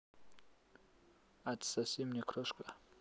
отсоси мне крошка